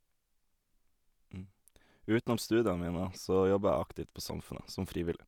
Utenom studiene mine så jobber jeg aktivt på Samfundet, som frivillig.